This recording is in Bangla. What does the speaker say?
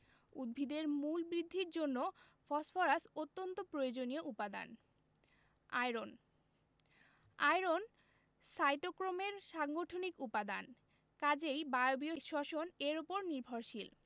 উদ্ভিদের মূল বৃদ্ধির জন্য ফসফরাস অত্যন্ত প্রয়োজনীয় উপাদান আয়রন আয়রন সাইটোক্রোমের সাংগঠনিক উপাদান কাজেই বায়বীয় শ্বসন এর উপর নির্ভরশীল